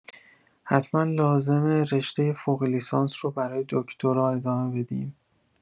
حتما لازمه رشتۀ فوق‌لیسانس رو برای دکتر ادامه بدیم؟